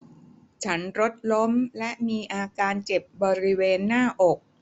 ฉันรถล้มและมีอาการเจ็บบริเวณหน้าอก